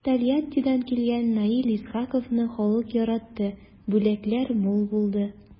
Тольяттидан килгән Наил Исхаковны халык яратты, бүләкләр мул булды.